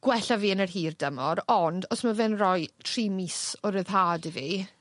...gwella fi yn yr hir dymor ond os ma' fe'n roi tri mis o ryddhad i fi